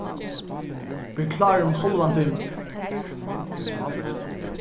ver klárur um hálvan tíma